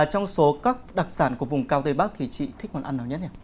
trong số các đặc sản của vùng cao tây bắc thì chị thích món ăn nào nhất nhỉ